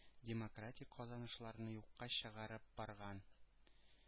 “демократик казанышларны юкка чыгарып барган